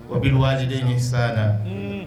O bɛ wajibiden ni san na